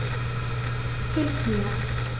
Hilf mir!